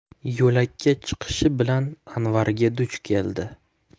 yo'lakka chiqishi bilan anvarga duch keldi